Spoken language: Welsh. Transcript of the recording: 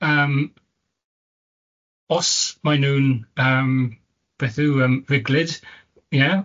Yym, os maen nhw'n yym, beth yw yym riglyd, ie?